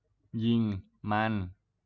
ยิงมัน